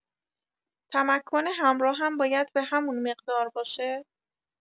تمکن همراهم باید به همون مقدار باشه؟